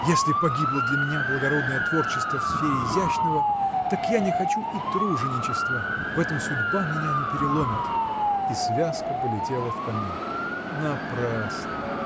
– если погибло для меня благородное творчество в сфере изящного так я не хочу и труженичества в этом судьба меня не переломит! И связка полетела в камин. – Напрасно!